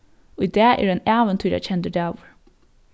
í dag er ein ævintýrakendur dagur